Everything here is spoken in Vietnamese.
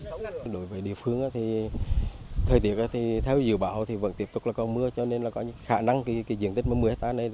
đối với địa phương thì thời tiết thì theo dự báo thì vẫn tiếp tục là có mưa cho nên có những khả năng cái diện tích mười héc ta này